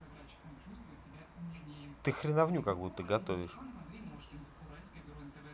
ты хреновню как будто говоришь